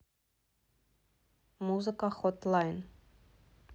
музыка хот лайн